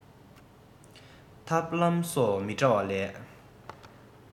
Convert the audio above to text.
ཐབས ལམ སོགས མི འདྲ བ ལས